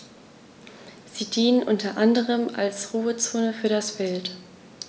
Sie dienen unter anderem als Ruhezonen für das Wild.